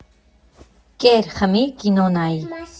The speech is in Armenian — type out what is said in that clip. Կեր, խմի, կինո նայի։